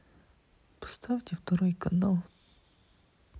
поставьте второй канал